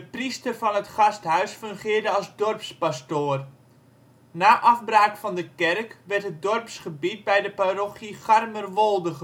priester van het gasthuis fungeerde als dorpspastoor. Na afbraak van de kerk werd het dorpsgebied bij de parochie Garmerwolde